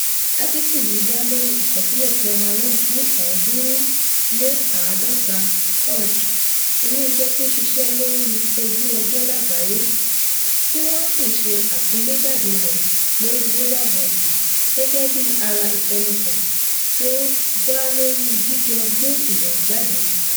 Átíkù yíì dá lórí akọsílẹ̀ Thelma Young fún 350.org, iléeṣẹ́ tó ń ṣiṣẹ́ lóri ojú ọjọ́ làgbàáyé, tí wọ́n sí ṣe àtúngbéjáde rẹ̀ lóri Global Voices gẹ́gẹ́ bi ara ìfẹ́nukò tó dá lórí jíjọ gbé iròyìn jáde.